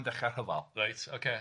Reit, ocê.